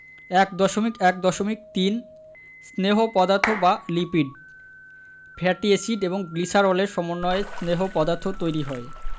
১.১.৩ স্নেহ পদার্থ বা লিপিড ফ্যাটি এসিড এবং গ্লিসারলের সমন্বয়ে স্নেহ পদার্থ তৈরি হয়